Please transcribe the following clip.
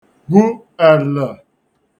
gwu àlə̣̀